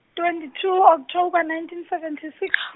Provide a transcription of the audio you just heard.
twenty two October nineteen seventy six.